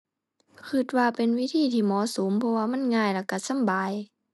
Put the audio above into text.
คิดว่าเป็นวิธีที่เหมาะสม เพราะว่ามันง่ายแล้วคิดสำบาย